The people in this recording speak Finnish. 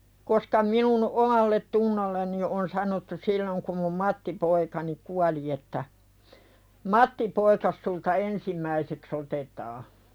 koska minun omalletunnolleni on sanottu silloin kun minun Matti-poikani kuoli että Matti-poikasi sinulta ensimmäiseksi otetaan